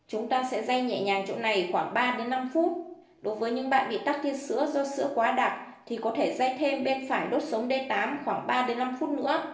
chúng ta sẽ day nhẹ nhàng chỗ này khoảng phút đối với những bạn bị tắc tia sữa do sữa quá đặc thì có thể day thêm phía bên phải đốt sống d khoảng phút